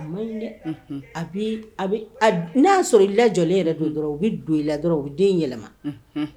Dɛ n'a y'a sɔrɔ i lajɔlen yɛrɛ don dɔrɔn u bɛ don i la dɔrɔn o den yɛlɛma